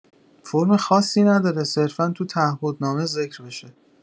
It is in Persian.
فرم خاصی نداره صرفا تو تعهد نامه ذکر بشه